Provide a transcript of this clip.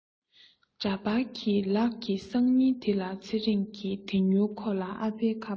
འདྲ པར གྱི ལག གི སང ཉིན དེ ལ ཚེ རིང གི དེ མྱུར ཁོ ལ ཨ ཕའི ཁ པར